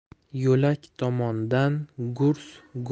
yo'lak tomondan gurs